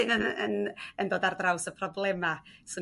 sydd yn yn yn dod a'r draws y problema'